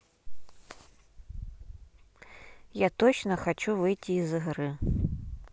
я точно хочу выйти из игры